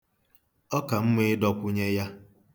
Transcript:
Ọ ka mma ịdọkwụnye ya?